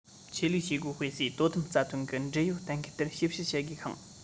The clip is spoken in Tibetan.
ཆོས ལུགས བྱེད སྒོ སྤེལ སའི དོ དམ རྩ དོན གི འབྲེལ ཡོད གཏན འཁེལ ལྟར ཞིབ བཤེར བྱེད དགོས ཤིང